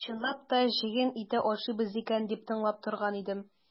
Чынлап та җәен ите ашыйбыз икән дип тыңлап торган идем.